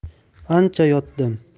ancha yotdim